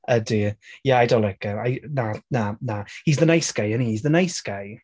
Ydi. Ie I don't like him, I... Na, na, na, he's the nice guy inne, he's the nice guy.